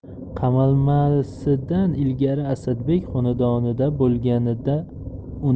qamalmasidan ilgari asadbek xonadonida bo'lganida